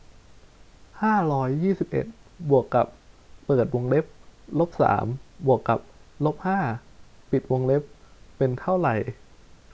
ห้าร้อยยี่สิบเอ็ดบวกกับเปิดวงเล็บลบสามบวกกับลบห้าปิดวงเล็บเป็นเท่าไหร่